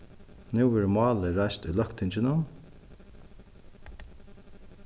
nú verður málið reist í løgtinginum